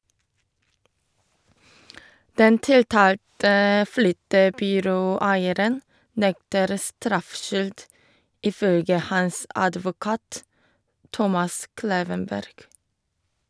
Den tiltalte flyttebyråeieren nekter straffskyld, ifølge hans advokat, Thomas Klevenberg.